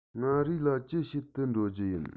མངའ རིས ལ ཅི བྱེད དུ འགྲོ རྒྱུ ཡིན